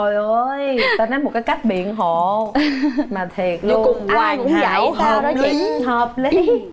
trời ơi một cách biện hộ mà thiệt luôn hoàn hảo hợp lý